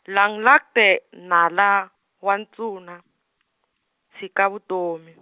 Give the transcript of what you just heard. Langlaagte nala, wa ntuna, tshika vutomi.